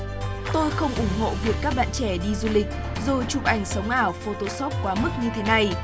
tôi không ủng hộ việc các bạn trẻ đi phượt du chụp ảnh sống ảo phô tô sốp quá mức như thế này